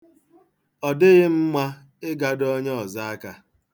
Ọ dịghị mma ịgado onye ọzọ aka.